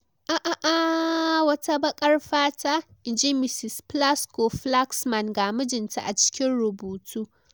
“a’aaaaaaaaaaaaaa WATA BAKAR FATA,” in ji Misis Plasco-Flaxman ga mijinta a cikin rubutu.